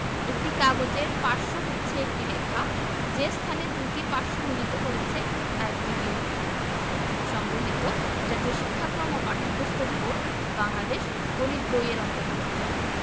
একটি কাগজের পার্শ্ব হচ্ছে একটি রেখা যে স্থানে দুইটি পার্শ্ব মিলিত হয়েছে তা একটি বিন্দু সংগৃহীত জাতীয় শিক্ষাক্রম ও পাঠ্যপুস্তক বোর্ড বাংলাদেশ গণিত বই-এর অন্তর্ভুক্ত